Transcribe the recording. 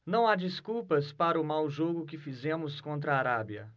não há desculpas para o mau jogo que fizemos contra a arábia